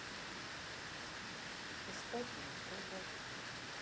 искать в ютюбе